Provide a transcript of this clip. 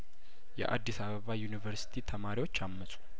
የአዲስ አበባ ዩኒቨርስቲ ተማሪዎች አመጹ